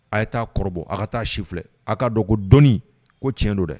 A' ye taa kɔrɔbɔ a ka taa si filɛ a ka dɔn ko dɔnni ko tiɲɛ don dɛ